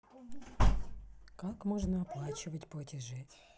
как можно оплачивать платежи